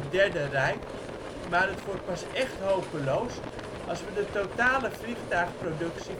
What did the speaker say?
Derde Rijk maar het wordt pas echt hopeloos als wij de totale vliegtuigproductie